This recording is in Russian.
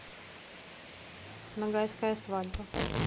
нагайская свадьба